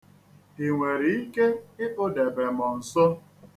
I nwere ike ikpụdebe m nso?